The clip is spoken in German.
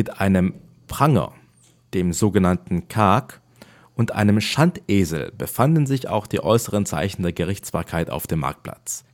einem Pranger (dem so genannten Kaak) und einem Schandesel befanden sich auch die äußeren Zeichen der Gerichtsbarkeit auf dem Marktplatz